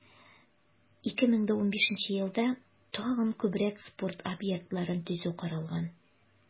2015 елда тагын да күбрәк спорт объектларын төзү каралган.